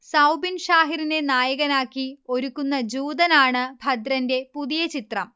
സൗബിൻ ഷാഹിറിനെ നായകനാക്കി ഒരുക്കുന്ന ജൂതനാണ് ദഭ്രന്റെ പുതിയ ചിത്രം